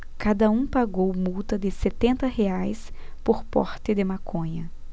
cada um pagou multa de setenta reais por porte de maconha